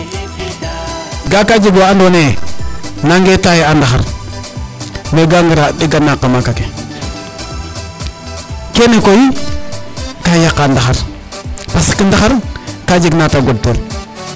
Ga'aa ka jeg wa andoona yee nangee tailler a ndaxar mais gaa ngaraa ɗegaa naaq a maak ake kene koy kaa yaqaa ndaxar parce que ndaxar ka jeg na ta godtel.